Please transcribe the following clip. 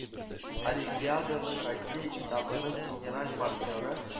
Олимпиаданың россия этабының генераль партнеры